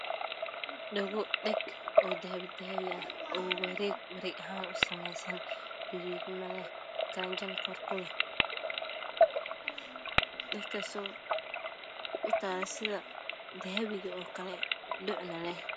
Dhegodhego usameysan sida wareegsan kor saaran miis